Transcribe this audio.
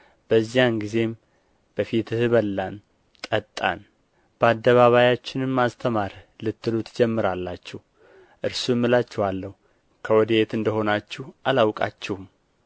በዚያን ጊዜም በፊትህ በላን ጠጣንም በአደባባያችንም አስተማርህ ልትሉ ትጀምራላችሁ እርሱም እላችኋለሁ ከወዴት እንደ ሆናችሁ አላውቃችሁም